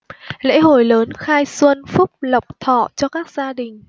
lễ hội lớn khai xuân phúc lộc thọ cho các gia đình